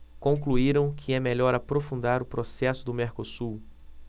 concluíram que é melhor aprofundar o processo do mercosul